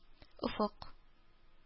Офык